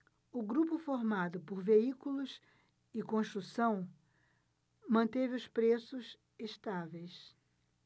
o grupo formado por veículos e construção manteve os preços estáveis